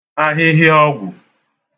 ahịhịa ọgwụ̀